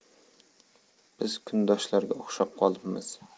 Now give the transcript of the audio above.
biz kundoshlarga o'xshab qolibmiz